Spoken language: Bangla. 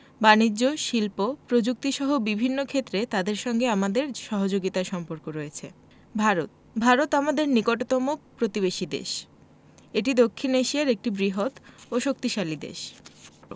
বানিজ্য শিল্প প্রযুক্তিসহ বিভিন্ন ক্ষেত্রে তাদের সঙ্গে আমাদের সহযোগিতার সম্পর্ক রয়েছে ভারত ভারত আমাদের নিকটতম প্রতিবেশী দেশ এটি দক্ষিন এশিয়ার একটি বৃহৎও শক্তিশালী দেশ